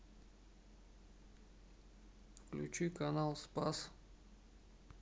включи канал спас